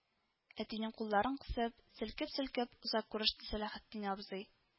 Әтинең кулларын кысып, селкеп-селкеп озак күреште Сәләхетдин абзый